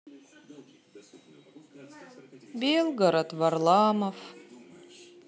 белгород варламов